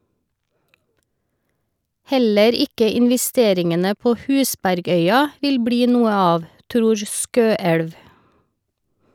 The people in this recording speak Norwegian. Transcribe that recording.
Heller ikke investeringene på Husbergøya vil bli noe av , tror Skøelv.